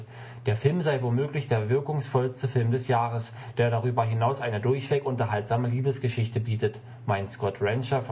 Film sei „ womöglich der wirkungsvollste Film des Jahres, der darüber hinaus eine durchweg unterhaltsame Liebesgeschichte bietet. “, meint Scott Renshaw